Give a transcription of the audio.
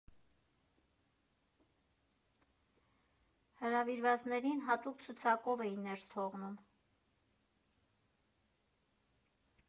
Հրավիրվածներին հատուկ ցուցակով էին ներս թողնում։